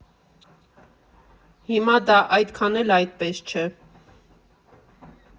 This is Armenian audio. Հիմա դա այդքան էլ այդպես չէ։